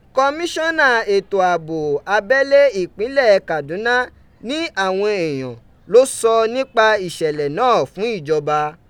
Kọmiṣọnaa eto abo abẹle ipinlẹ Kaduna ni awọn eeyan lo sọ nipa iṣẹlẹ naa fun ijọba.